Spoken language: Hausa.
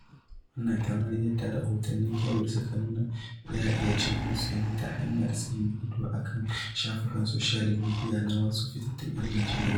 Wannan, kamar yadda rahotannin Cable suka nuna, za a iya cim musu ne ta hanyar sanya ido a kan shafukan soshiyal midiya na "wasu fitattun 'yan Najeriya".